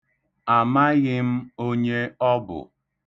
Amaghị m onye ọ bụ.